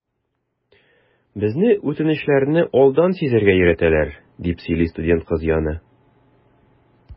Безне үтенечләрне алдан сизәргә өйрәтәләр, - дип сөйли студент кыз Яна.